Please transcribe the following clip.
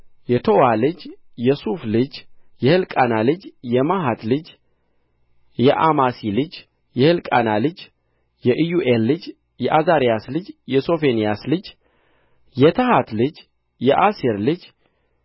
የቶዋ ልጅ የሱፍ ልጅ የሕልቃና ልጅ የመሐት ልጅ የአማሢ ልጅ የሕልቃና ልጅ የኢዮኤል ልጅ የዓዛርያስ ልጅ የሶፎንያስ ልጅ የታሐት ልጅ የአሴር ልጅ